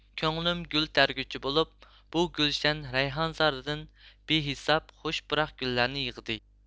كۆڭلۈم گۈل تەرگۈچى بولۇپ بۇ گۈلشەن رەيھانزارىدىن بىھېساب خۇش پۇراق گۈللەرنى يىغدى